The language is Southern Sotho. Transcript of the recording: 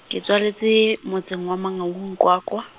ke tswaletswe motseng wa Mangaung, Qwaqwa.